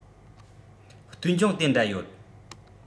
ལྟོས འབྱུང དེ འདྲ ཡོད